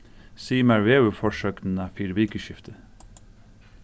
sig mær veðurforsøgnina fyri vikuskiftið